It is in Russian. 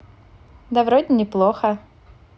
да вроде неплохо